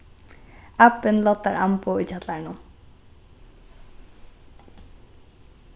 abbin loddar amboð í kjallaranum